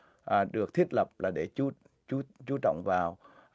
được thiết lập là để chút chút chú trọng vào